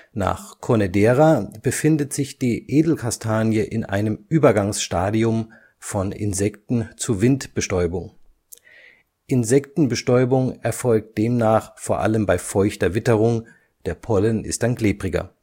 Nach M. Conedera befindet sich die Edelkastanie in einem Übergangsstadium von Insekten - zu Windbestäubung. Insektenbestäubung erfolgt demnach vor allem bei feuchter Witterung, der Pollen ist dann klebriger